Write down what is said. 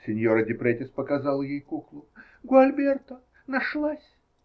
Синьора Депретис показала ей куклу. -- Гуальберта!!! Нашлась!